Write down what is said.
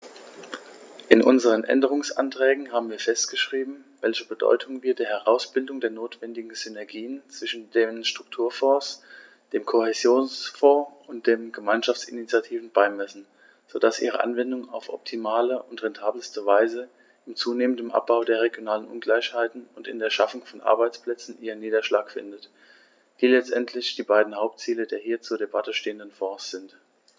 In unseren Änderungsanträgen haben wir festgeschrieben, welche Bedeutung wir der Herausbildung der notwendigen Synergien zwischen den Strukturfonds, dem Kohäsionsfonds und den Gemeinschaftsinitiativen beimessen, so dass ihre Anwendung auf optimale und rentabelste Weise im zunehmenden Abbau der regionalen Ungleichheiten und in der Schaffung von Arbeitsplätzen ihren Niederschlag findet, die letztendlich die beiden Hauptziele der hier zur Debatte stehenden Fonds sind.